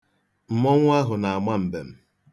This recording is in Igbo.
Mmọnwụ ahụ na-ama mbem.